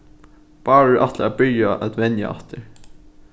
bárður ætlar at byrja at venja aftur